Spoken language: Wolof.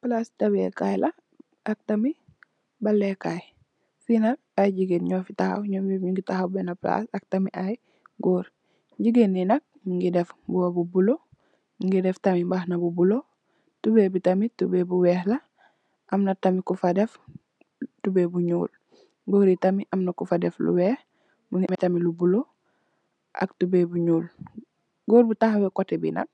Palas dawe kai la ak tamit footbaal le kai fi nak ay jigeen nyu fi taxaw nyu gi taxaw bene palas a tamit ay goor jigeen yi nak mongi def mbuba bu bulu nyugi def tamit mbahana bu bulu tubai bi tamit tubai bu weeex la amna yam ko fa def tubai bu nuul goori tam amna kufa def lu weex mongi ame tam lu bulu ak tubai bu nuul goor bu taxaw kote bi nak